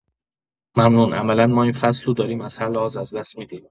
ممنون عملا ما این فصل رو داریم از هر لحاظ از دست می‌دیم.